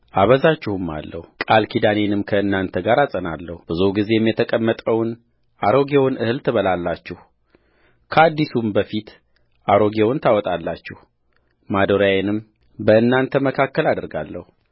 አበዛችሁማለሁ ቃል ኪዳኔንም ከእናንተ ጋር አጸናለሁብዙ ጊዜ የተቀመጠውንም አሮጌውን እህል ትበላላችሁ ከአዲሱም በፊት አሮጌውን ታወጣላችሁማደሪያዬንም በእናንተ መካከል አደርጋለሁ